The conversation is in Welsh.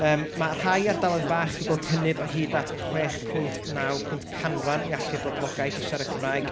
yym ma' rhai ardaoedd bach 'di gweld cynnydd o hyd at chwech pwynt naw pwynt canran yn ngallu'r boblogaeth i siarad Cymraeg,